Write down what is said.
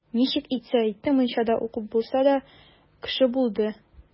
Ничек итсә итте, мунчада укып булса да, кеше булды.